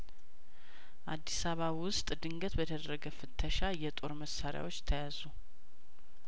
አዲስአባ ውስጥ ድንገት በተደረገ ፍተሻ የጦር መሳሪያዎች ተያዙ